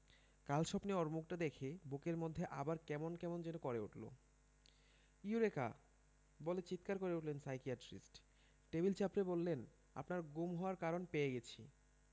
কাল স্বপ্নে ওর মুখটা দেখে বুকের মধ্যে আবার কেমন কেমন যেন করে উঠল ‘ইউরেকা বলে চিৎকার করে উঠলেন সাইকিয়াট্রিস্ট টেবিলে চাপড়ে বললেন আপনার গুম হওয়ার কারণ পেয়ে গেছি